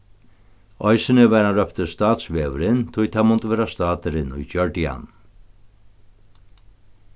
eisini varð hann róptur statsvegurin tí tað mundi vera staturin ið gjørdi hann